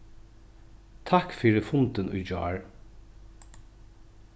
takk fyri fundin í gjár